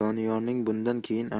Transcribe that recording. doniyorning bundan keyin